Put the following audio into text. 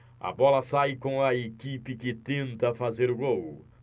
a bola sai com a equipe que tenta fazer o gol